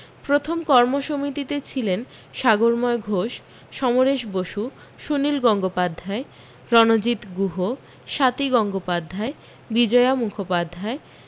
প্রথম কর্মসমিতিতে ছিলেন সাগরময় ঘোষ সমরেশ বসু সুনীল গঙ্গোপাধ্যায় রণজিত গুহ স্বাতী গঙ্গোপাধ্যায় বিজয়া মুখোপাধ্যায়